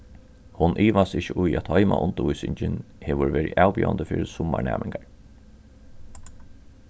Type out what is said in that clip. hon ivast ikki í at heimaundirvísingin hevur verið avbjóðandi fyri summar næmingar